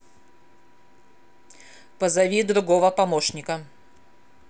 позови другого помощника